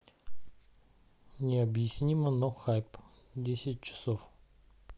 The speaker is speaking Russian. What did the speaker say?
необъяснимо но хайп десять часов